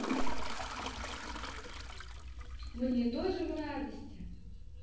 мне тоже в радости